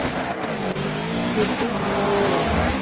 ютуб пороро